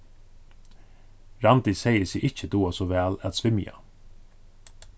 randi segði seg ikki duga so væl at svimja